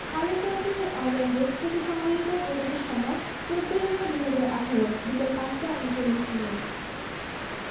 মূল চরিত্রে অভিনয় করছেন রোশান ও ববি তবে পিতা তারিক আনাম খান ও পুত্র সুজন খল চরিত্রে অভিনয় করে বেশ আলোচনার জন্ম দিয়েছেন